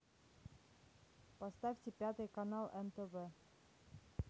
поставьте пятый канал нтв